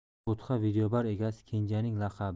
bo'tqa videobar egasi kenjaning laqabi